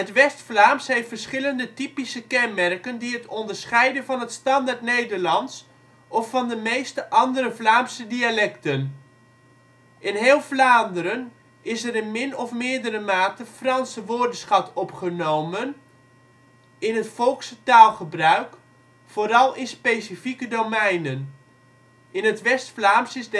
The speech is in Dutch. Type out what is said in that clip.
West-Vlaams heeft verschillende typische kenmerken die het onderscheiden van het Standaardnederlands of van de meeste andere Vlaamse dialecten. In heel Vlaanderen is er in min of meerdere mate Franse woordenschat opgenomen in het volkse taalgebruik, vooral in specifieke domeinen; in het West-Vlaams is